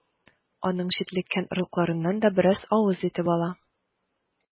Аның җитлеккән орлыкларыннан да бераз авыз итеп ала.